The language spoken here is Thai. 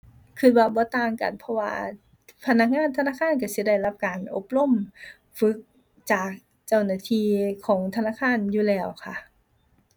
คิดว่าบ่ต่างกัน เพราะว่าพนักงานธนาคารคิดสิได้รับการอบรม ฝึก จากเจ้าหน้าที่ของธนาคารอยู่แล้วค่ะ